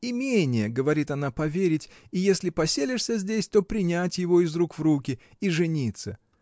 Имение, говорит она, поверить, и если поселишься здесь, то принять его из рук в руки — и жениться.